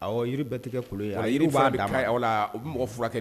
Ayiwa, Jiri bɛɛ tɛ kɛ kolon ye, a jiri bɛ yen, u bɛ mɔgɔ furakɛk